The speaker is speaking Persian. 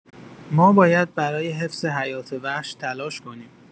ما باید برای حفظ حیات‌وحش تلاش کنیم.